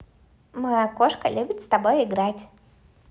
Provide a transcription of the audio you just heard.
моя кошка любит тобой играть